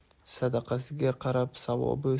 sadaqasiga qarab savobi